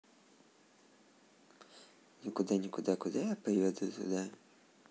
никуда никуда куда я поеду туда